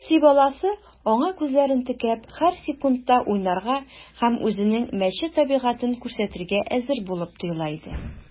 Песи баласы, аңа күзләрен текәп, һәр секундта уйнарга һәм үзенең мәче табигатен күрсәтергә әзер булып тоела иде.